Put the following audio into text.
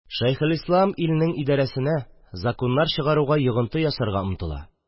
Шәйхелислам илнең идәрәсенә, законнар чыгаруга йогынты ясарга омтыла